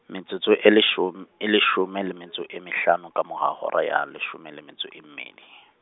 metsotso e leshom-, e leshome le metso e mehlano ka mora hora ya leshome le metso e mmedi.